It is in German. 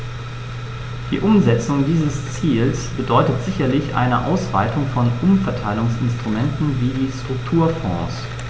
Die Umsetzung dieses Ziels bedeutet sicherlich eine Ausweitung von Umverteilungsinstrumenten wie die Strukturfonds.